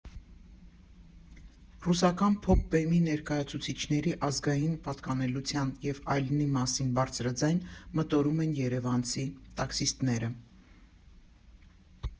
Ռուսական փոփ֊բեմի ներկայացուցիչների ազգային պատկանելության և այլնի մասին բարձրաձայն մտորում են երևանցի տաքսիստները։